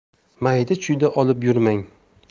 mayda chuyda olib yurmang